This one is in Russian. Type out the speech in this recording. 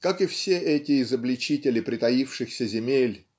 Как и все эти изобличители притаившихся земель